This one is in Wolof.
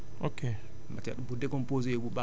matière organique moom moo koy jox